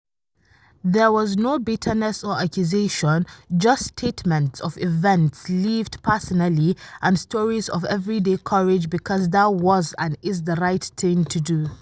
There was no bitterness or accusation, just statements of events lived personally and stories of everyday courage because that was and is the right thing to do.